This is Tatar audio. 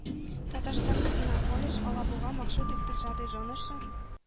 Татарстанның «Иннополис», «Алабуга» махсус икътисади зонасы